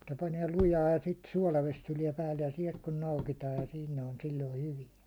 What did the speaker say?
mutta panee lujaa ja sitten suolavesi tulee päälle ja sieltä kun noukitaan ja sitten ne on silloin hyviä